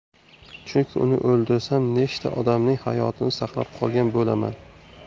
chunki uni o'ldirsam nechta odamning hayotini saqlab qolgan bo'laman